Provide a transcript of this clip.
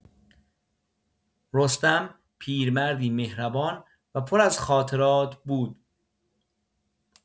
رستم پیرمردی مهربان و پر از خاطرات بود.